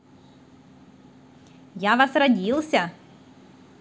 я вас родился